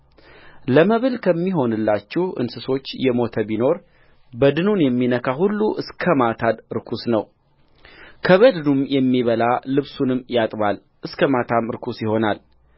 ለመብል ከሚሆኑላችሁ እንስሶች የሞተ ቢኖር በድኑን የሚነካ ሁሉ እስከ ማታ ርኩስ ነውከበድኑም የሚበላ ልብሱን ያጥባል እስከ ማታም ርኩስ ይሆናል